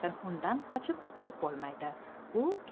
lekin undan qochib qutulib bo'lmaydi